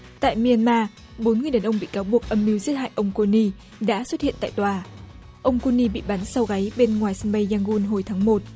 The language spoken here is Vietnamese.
tại mi an ma bốn người đàn ông bị cáo buộc âm mưu giết hại ông cô ni đã xuất hiện tại tòa ông cô ni bị bắn sau gáy bên ngoài sân bay dang gun hồi tháng một